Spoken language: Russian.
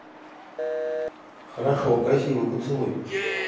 хорошо красивый поцелуй